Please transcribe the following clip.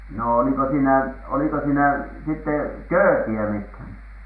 no oliko siinä oliko siinä sitten köökkiä mitään